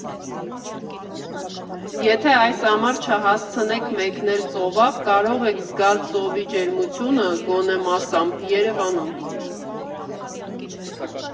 Եթե այս ամառ չհասցնեք մեկնել ծովափ, կարող եք զգալ ծովի ջերմությունը (գոնե՝ մասամբ) Երևանում։